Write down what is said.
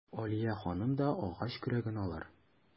Алия ханым да агач көрәген алыр.